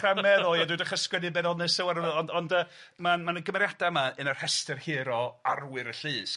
...dechra meddwl ia dwi dechre sgwennu bennod nesa 'wan yy ond ond yy ma'n ma' 'na gymeriada 'ma yn y rhestyr hir o arwyr y llys